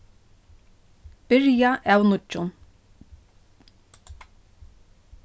byrja av nýggjum